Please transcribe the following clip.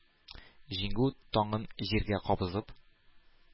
Җиңү таңын җиргә кабызып,